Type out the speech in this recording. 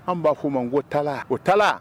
An b'a fɔ u ma ko tala o ta